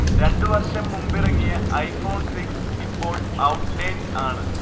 രണ്ടു വർഷം മുമ്പിറങ്ങിയ ഐഫോൺ സിക്സ് ഇപ്പോൾ ഔട്ട്ഡേറ്റ് ആണ്